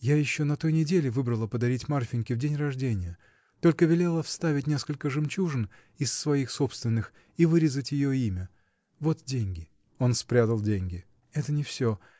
Я еще на той неделе выбрала подарить Марфиньке в день рождения, — только велела вставить несколько жемчужин, из своих собственных, и вырезать ее имя. Вот деньги. Он спрятал деньги. — Это не всё.